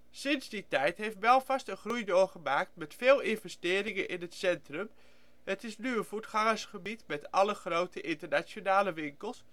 Sinds die tijd heeft Belfast een groei doorgemaakt, met veel investeringen in het centrum (het is nu een voetgangersgebied met alle grote internationale winkels